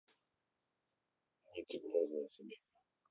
мультик грозная семейка